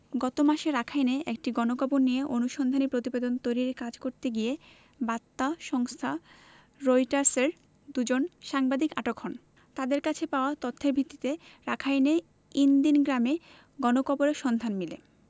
গত মাসে রাখাইনে একটি গণকবর নিয়ে অনুসন্ধানী প্রতিবেদন তৈরির কাজ করতে গিয়ে বার্তা সংস্থা রয়টার্সের দুজন সাংবাদিক আটক হন তাঁদের কাছে পাওয়া তথ্যের ভিত্তিতে রাখাইনের ইন দিন গ্রামে গণকবরের সন্ধান মেলে